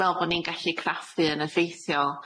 fel bo' ni'n gallu craffu yn effeithiol.